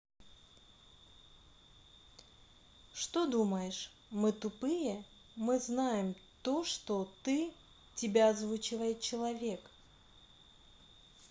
что думаешь мы тупые мы знаем то что ты тебя озвучивает человек